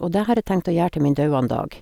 Og det har jeg tenkt å gjøre til min dauan dag.